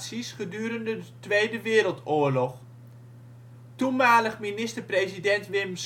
Wereldoorlog. Toenmalig minister-president Wim